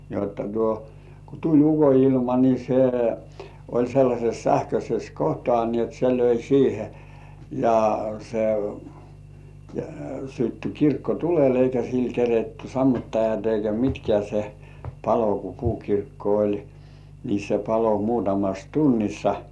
jotta tuo kun tuli ukonilma niin se oli sellaisessa sähköisessä kohtaa niin jotta se löi siihen ja se syttyi kirkko tuleen eikä sillä keritty sammuttajat eikä mitkään se paloi kun puukirkko oli niin se paloi muutamassa tunnissa